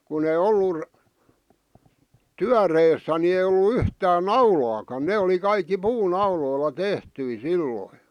kun ei ollut työreessä niin ei ollut yhtään naulaakaan ne oli kaikki puunauloilla tehtyjä silloin